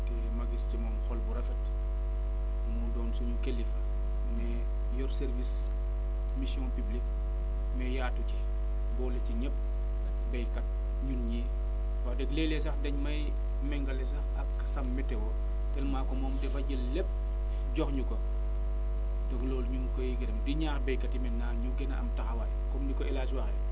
te ma gis ci moom xol bu rafet mu doon suñu kilifa mais yor service mission publique mais yaatu ci boole ci ñëpp béykat ñun ñii wax dëgg léeg-léeg sax dañ may méngale sax ak sa météo tellement que moom dafa jël lépp jox ñu ko donc loolu ñu ngi koy gërëm di ñaax béykat yi maintenant ñu gën a am taxawaay comme ni ko l Hadj waxee